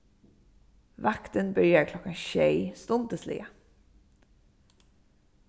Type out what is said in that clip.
vaktin byrjar klokkan sjey stundisliga